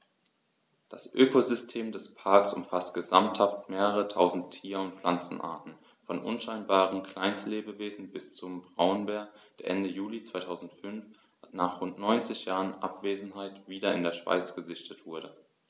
Das Ökosystem des Parks umfasst gesamthaft mehrere tausend Tier- und Pflanzenarten, von unscheinbaren Kleinstlebewesen bis zum Braunbär, der Ende Juli 2005, nach rund 90 Jahren Abwesenheit, wieder in der Schweiz gesichtet wurde.